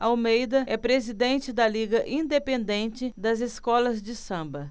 almeida é presidente da liga independente das escolas de samba